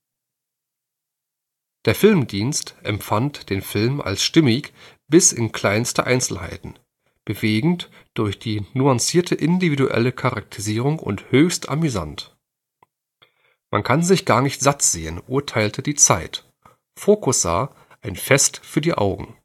Der film-dienst empfand den Film als „ stimmig bis in kleinste Einzelheiten, bewegend durch die nuancierte individuelle Charakterisierung und höchst amüsant “.„ Man kann sich gar nicht sattsehen “, urteilte Die Zeit. Focus sah „ ein Fest für die Augen